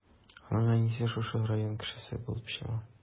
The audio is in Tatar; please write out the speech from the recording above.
Аның әнисе шушы район кешесе булып чыга.